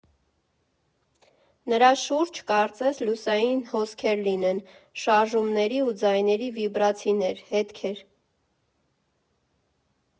Նրա շուրջ կարծես լուսային հոսքեր լինեն, շարժումների ու ձայների վիբրացիներ, հետքեր։